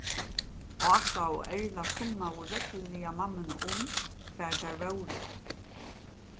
ása og erla kunnaðu regluliga mammuna um hvar tær vóru